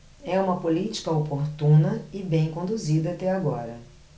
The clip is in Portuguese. é uma política oportuna e bem conduzida até agora